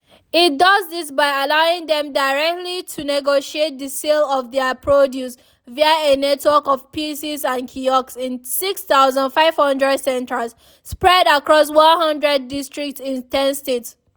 It does this by allowing them directly to negotiate the sale of their produce via a network of PCs and kiosks in 6,500 centres spread across 100 districts in 10 states.